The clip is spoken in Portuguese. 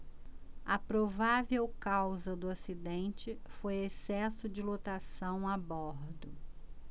a provável causa do acidente foi excesso de lotação a bordo